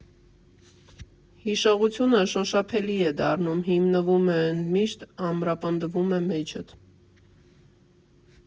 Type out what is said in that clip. Հիշողությունը շոշափելի է դառնում, հիմնվում է, ընդմիշտ ամրապնդվում է մեջդ։